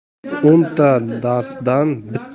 o'nta darsdan bitta